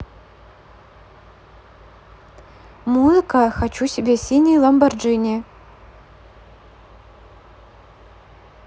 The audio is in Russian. музыка хочу себе синий lamborghini